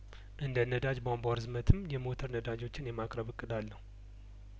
እንደ ነዳጅ ቧንቧው ርዝመትም የሞተር ነዳጆችን የማቅረብ እቅድ አለው